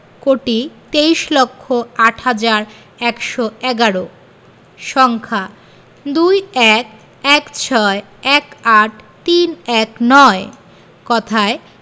কোটি তেইশ লক্ষ আট হাজার একশো এগারো সংখ্যাঃ ২১ ১৬ ১৮ ৩১৯ কথায়ঃ